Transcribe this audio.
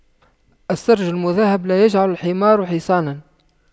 السَّرْج المُذهَّب لا يجعلُ الحمار حصاناً